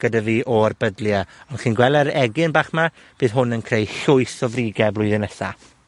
gyda fi o'r Buhdlia, ond chi'n gwel' yr egin bach 'ma? Bydd hwn yn creu llwyth o frige blwyddyn nesa.